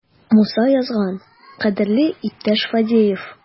Муса язган: "Кадерле иптәш Фадеев!"